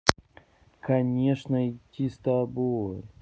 конечно идти тобой